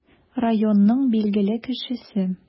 Районның билгеле кешесе.